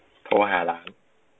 โทรหาร้าน